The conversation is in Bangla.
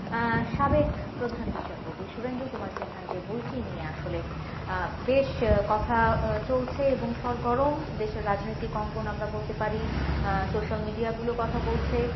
সাবেক প্রধান বিচারপতি সুরেন্দ্র কুমার সিনহার যে বইটি নিয়ে আসলে বেশ কথা চলছে এবং সরগরম দেশের রাজনৈতিক অঙ্গন আমরা বলতে পারি সোশ্যাল মিডিয়াগুলো কথা বলছে